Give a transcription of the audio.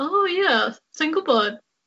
oh ie sai'n gwbod.